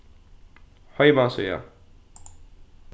heimasíða